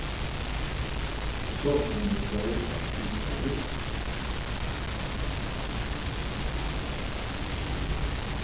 sofan er góð at sita í